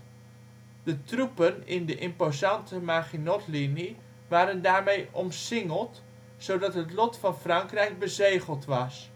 in de imposante Maginot-linie waren daarmee omsingeld, zodat het lot van Frankrijk bezegeld was